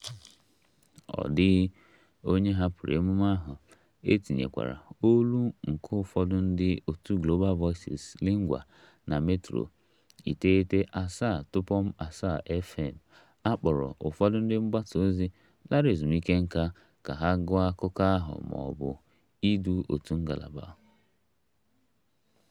Ọ dịghị onye hapụrụ emume ahụ. E tinyekwara olu nke ụfọdụ ndị otu Global Voices Lingua na Metro 97.7FM. A kpọrọ ụfọdụ ndị mgbasa ozi lara ezumike nka ka ha gụọ akụkọ ahụ ma ọ bụ ịdu otu ngalaba.